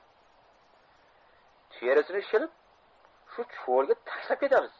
terisini shilib shu cho'lga tashlab ketamiz